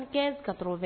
75 80